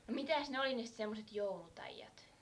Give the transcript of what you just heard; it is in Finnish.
no mitäs ne oli ne sitten semmoiset joulutaiat